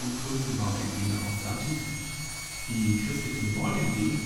größten Baudenkmäler aus der Antike. Die christlichen Gebäude hingegen